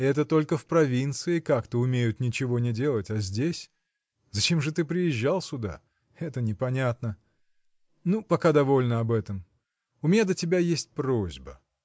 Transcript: – Это только в провинции как-то умеют ничего не делать; а здесь. Зачем же ты приезжал сюда? Это непонятно!. Ну, пока довольно об этом. У меня до тебя есть просьба.